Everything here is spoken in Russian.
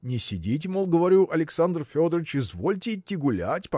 Не сидите, мол, говорю, Александр Федорыч, извольте идти гулять